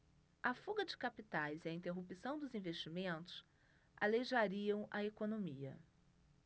a fuga de capitais e a interrupção dos investimentos aleijariam a economia